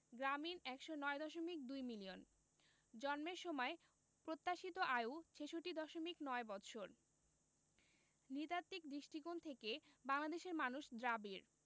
গ্রামীণ ১০৯দশমিক ২ মিলিয়ন জন্মের সময় প্রত্যাশিত আয়ু ৬৬দশমিক ৯ বৎসর নৃতাত্ত্বিক দৃষ্টিকোণ থেকে বাংলাদেশের মানুষ দ্রাবিড়